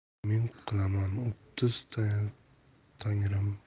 men qilaman o'ttiz